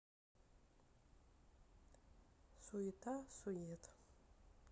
суета сует